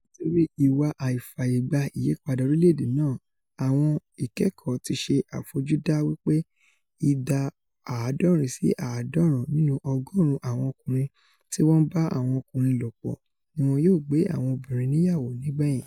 nítorí ìwà àifààyègba-ìyípadà orílẹ̀-èdè náà, àwọn ìkẹ́kọ̀ọ́ ti ṣe àfojúda wí pé ìdà àádọrin sí àádọ́ọ̀rún nínú ọgọ́ọ̀rún àwọn ọkùnrin tí wọ́n ńbá àwọn ọkùnrin lòpọ̀ ni wọn yóò gbé àwọn obìnrin níyàwo nígbẹ̀yìn.